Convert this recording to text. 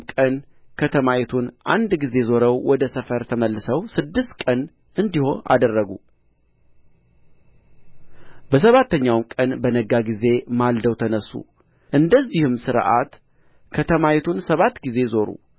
ቀን ከተማይቱን አንድ ጊዜ ዞረው ወደ ሰፈር ተመለሱ ስድስት ቀንም እንዲህ አደረጉ በሰባተኛውም ቀን በነጋ ጊዜ ማልደው ተነሡ እንደዚህም ሥርዓት ከተማይቱን ሰባት ጊዜ ዞሩ